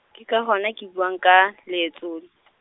ke ka hona re buang ka, leetsolli .